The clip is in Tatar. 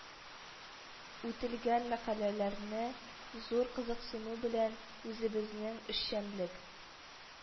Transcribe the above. Үтелгән мәкаләләрне зур кызыксыну белән, үзебезнең эшчәнлек